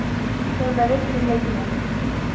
Тәүбәгә килергә кирәк.